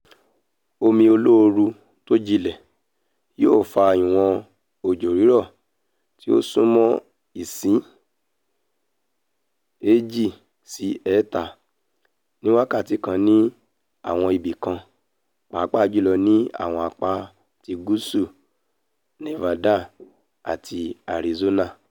Omi olóoru tójínlẹ̀ yóò fa ìwọ̀n òjò rírọ̀ tí ó súnmọ́ íǹsì 2 sí 3 ni wákàtí kan ní àwọn ibi kan, papàá jùlọ ní àwọn apá ti gúúsù Nevada àti Arizona.